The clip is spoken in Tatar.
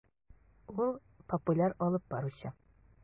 Ул - популяр алып баручы.